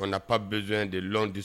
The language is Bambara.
On n'a pas besoin de long dis